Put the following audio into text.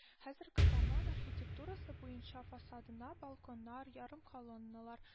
Хәзерге заман архитектурасы буенча фасадына балконнар, ярым калоннылар